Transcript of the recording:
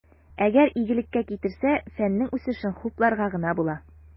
Әгәр игелеккә китерсә, фәннең үсешен хупларга гына була.